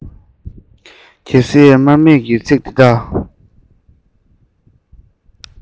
གལ སྲིད དམའ འབེབས ཀྱི ཚིག དེ དག